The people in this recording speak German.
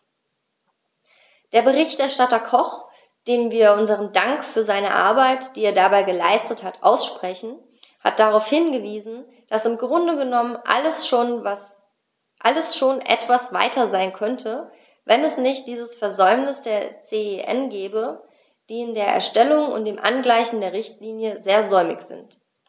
Der Berichterstatter Koch, dem wir unseren Dank für seine Arbeit, die er dabei geleistet hat, aussprechen, hat darauf hingewiesen, dass im Grunde genommen alles schon etwas weiter sein könnte, wenn es nicht dieses Versäumnis der CEN gäbe, die in der Erstellung und dem Angleichen der Richtlinie sehr säumig sind.